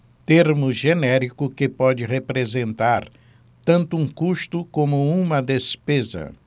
termo genérico que pode representar tanto um custo como uma despesa